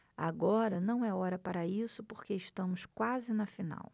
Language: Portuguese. agora não é hora para isso porque estamos quase na final